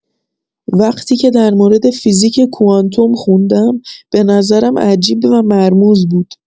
وقتی که در مورد فیزیک کوانتوم خوندم، به نظرم عجیب و مرموز بود.